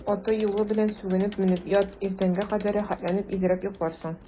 Аты-юлы белән сүгенеп менеп ят, иртәнгә кадәр рәхәтләнеп изрәп йокларсың.